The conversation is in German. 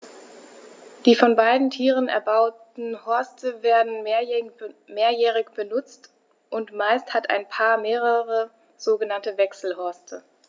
Die von beiden Tieren erbauten Horste werden mehrjährig benutzt, und meist hat ein Paar mehrere sogenannte Wechselhorste.